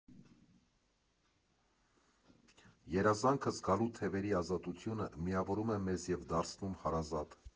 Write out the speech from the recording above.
Երազանքը՝ զգալու թևերի ազատությունը, միավորում է մեզ և դարձնում հարազատ։